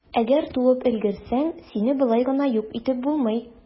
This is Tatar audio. Әгәр туып өлгерсәң, сине болай гына юк итеп булмый.